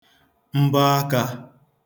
mbọakā